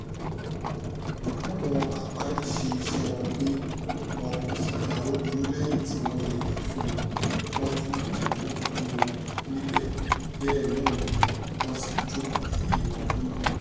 Àwọn apani ṣe iṣẹ́ wọn pé, wọn kò sì dáwọ́ dúró lẹ́yìn tí wọ́n yẹgi fún wọn, wọ́n tún wọ́ òkúu wọn nílẹ̀ bẹ́ẹ̀ náà ni wọ́n sì ń jókòó lé wọn lórí.